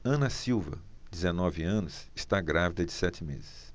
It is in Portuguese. ana silva dezenove anos está grávida de sete meses